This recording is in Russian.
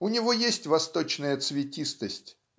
У него есть восточная цветистость